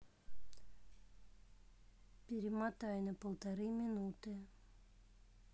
перемотай на полторы минуты